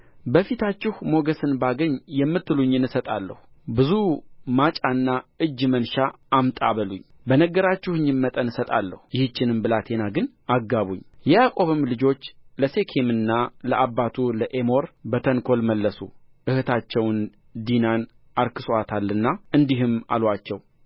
በፊታችሁ ሞገስን ባገኝ የምትሉኝን እሰጣለሁ ብዙ ማጫና እጅ መንሻ አምጣ በሉኝ በነገራችሁኝም መጠን እሰጣለሁ ይህችን ብላቴና ግን አጋቡኝ የያዕቆብም ልጆች ለሴኬምና ለአባቱ ለኤሞር በተንኰል መለሱ እኅታቸውን ዲናን አርክሶአታልና እንዲህም አሉአቸው